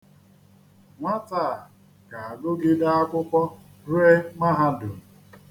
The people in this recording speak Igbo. Nwata a ga-agụgide akwụkwọ rue mahadum.